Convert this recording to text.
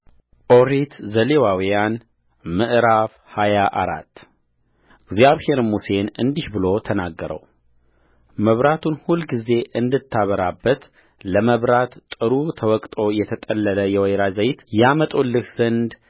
ኦሪት ዘሌዋውያን ምዕራፍ ሃያ አራት እግዚአብሔርም ሙሴን እንዲህ ብሎ ተናገረውመብራቱን ሁልጊዜ እንድታበራበት ለመብራት ጥሩ ተወቅጦ የተጠለለ የወይራ ዘይት ያመጡልህ ዘንድ